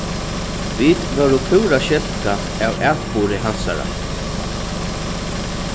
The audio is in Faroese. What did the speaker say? vit vóru púra skelkað av atburði hansara